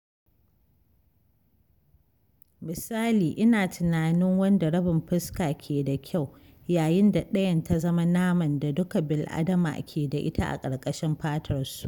Misali, ina tunanin wanda rabin fuska ke da kyau, yayin da ɗayan ta zama naman da dukan bil’adama ke da ita a ƙarƙashin fatarsu.